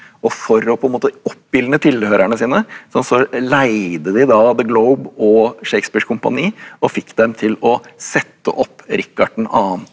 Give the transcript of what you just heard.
og for å på en måte oppildne tilhørerne sine så leide de da The Globe og Shakespeares kompani og fikk dem til å sette opp Rikard den annen.